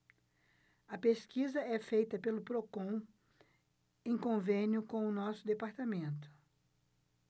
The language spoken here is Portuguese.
a pesquisa é feita pelo procon em convênio com o diese